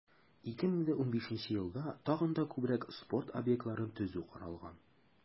2015 елда тагын да күбрәк спорт объектларын төзү каралган.